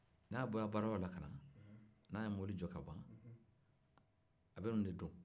n'a bɔra baara yɔrɔ la ka na n'a ye mobili jɔ ka ban a bɛ ninnu de don